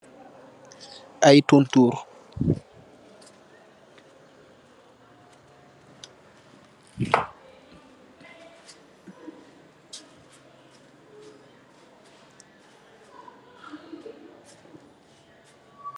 Ay tontoor